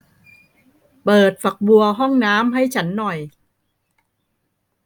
เปิดฝักบัวห้องน้ำให้ฉันหน่อย